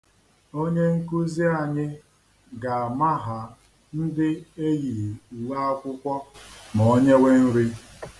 Onye nkụzi anyị ga-amaha ndị eyighi uwe akwụkwọ ma o nyewe nri.